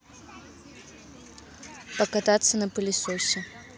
покататься на полесосе